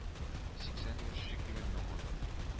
Сиксән яшь чик дигәнне аңлата